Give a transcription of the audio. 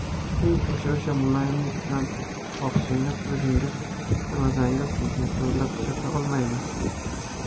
u o'sha o'sha muloyimlik bilan xohishingiz o'zingiz istamasangiz sizni zo'rlab ishlata olmaymiz